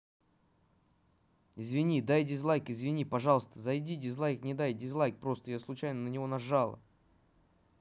извини дай дизлайк извини пожалуйста зайди дизлайк не дай дизлайк просто я случайно на него нажала